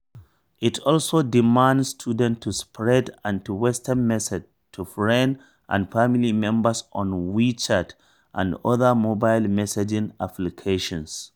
It also demands students to spread anti-Western messages to friends and family members on Wechat and other mobile messaging applications.